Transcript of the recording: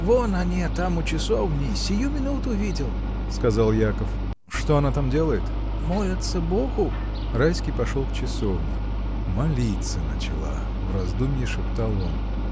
— Вон они там у часовни, сию минуту видел, — сказал Яков. — Что она там делает? — Молятся Богу. Райский пошел к часовне. — Молиться начала! — в раздумье шептал он.